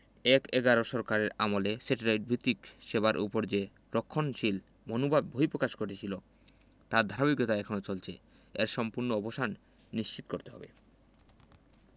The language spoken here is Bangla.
এক–এগারোর সরকারের আমলে স্যাটেলাইট ভিত্তিক সেবার ওপর যে রক্ষণশীল মনোভাবের বহিঃপ্রকাশ ঘটেছিল তার ধারাবাহিকতা এখনো চলছে এর সম্পূর্ণ অবসান নিশ্চিত করতে হবে